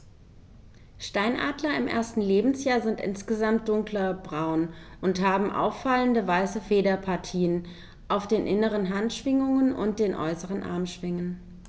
Steinadler im ersten Lebensjahr sind insgesamt dunkler braun und haben auffallende, weiße Federpartien auf den inneren Handschwingen und den äußeren Armschwingen.